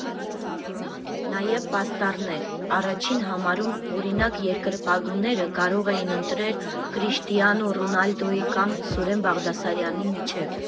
Նաև՝ պաստառներ (առաջին համարում, օրինակ, երկրպագուները կարող էին ընտրել Կրիշտիանու Ռոնալդուի կամ Սուրեն Բաղդասարյանի միջև)։